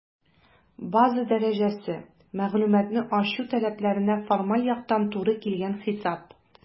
«база дәрәҗәсе» - мәгълүматны ачу таләпләренә формаль яктан туры килгән хисап.